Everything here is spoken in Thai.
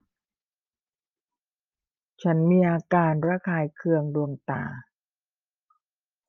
ฉันมีอาการระคายเคืองดวงตา